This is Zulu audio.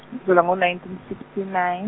ngazalwa ngo- nineteen sixty nine.